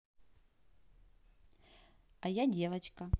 а я девочка